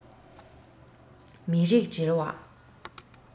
མི རིགས འབྲེལ བ